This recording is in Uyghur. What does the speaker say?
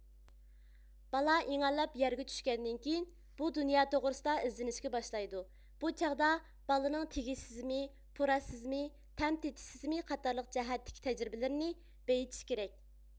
بالا ئىڭەللەپ يەرگە چۈشكەندىن كېيىن بۇ دۇنيا توغرىسىدا ئىزدىنىشكە باشلايدۇ بۇ چاغدا بالىنىڭ تېگىش سېزىمى پۇراش سېزىمى تەم تېتىش سېزىمى قاتارلىق جەھەتتىكى تەجرىبىلىرىنى بېيىتىش كېرەك